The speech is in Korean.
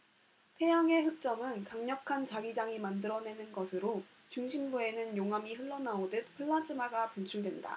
태양의 흑점은 강력한 자기장이 만들어내는 것으로 중심부에는 용암이 흘러나오듯 플라즈마가 분출된다